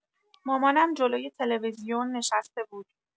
مامانم جلوی تلویزیون نشسته بود.